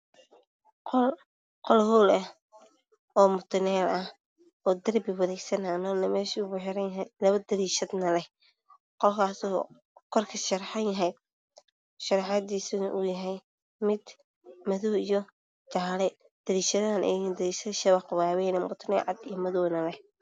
Waa qol hool ah oo mutuleel ah iyo darbi wareegsan nalna meesha ugu xiran yahay oo labo dariishad leh, waa qol kor kasharxan sida madow iyo jaale. Dariishadaha waxay leeyihiin shabaq waaweyn iyo mutuleel cadaan iyo madow ah.